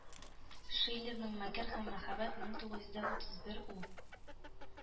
Шиллерның Мәкер һәм мәхәббәт мең тугыз йөз дә утыз бер, У